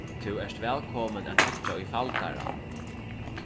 tú ert vælkomin at hyggja í faldaran